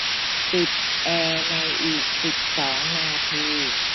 ปิดแอร์ในอีกสิบสองนาที